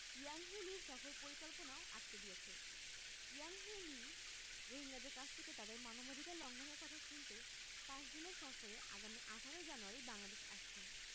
Yanghee লির সফর পরিকল্পনাও আটকে দিয়েছে ইয়াংহি লি রোহিঙ্গাদের কাছ থেকে তাদের মানবাধিকার লঙ্ঘনের কথা শুনতে পাঁচ দিনের সফরে আগামী ১৮ জানুয়ারি বাংলাদেশে আসছেন